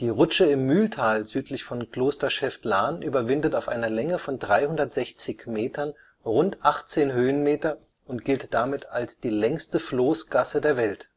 Die Rutsche im Mühltal südlich von Kloster Schäftlarn überwindet auf einer Länge von 360 Metern rund 18 Höhenmeter und gilt damit als die längste Floßgasse der Welt